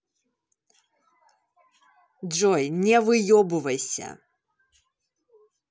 джой не выебывайся